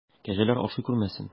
Кәҗәләр ашый күрмәсен!